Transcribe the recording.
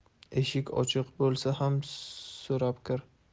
eshik ochiq bo'lsa ham so'rab kir